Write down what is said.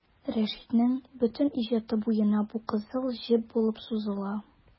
Рәшитнең бөтен иҗаты буена бу кызыл җеп булып сузыла.